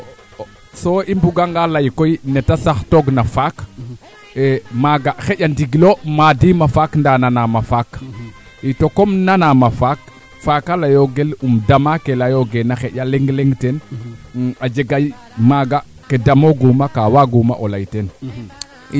refna mois de Mai o ngolo nge na doon waa tookum refna juin i leyaa juin sereer a leyo gaannge o roka nga na xambaxay fo a ɓetakum rooga deɓa deɓeer waxey roka kam ndiing keene fop maak we ndeet lu woogaan to ku de ley ina teen yoomb e ndal